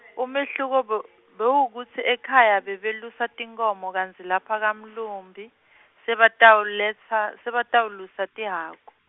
umehluko bew- bewuwekutsi ekhaya bebelusa tinkhomo kantsi lapha kamlumbi, sebatawuletsa, sebatawulusa tihhaku.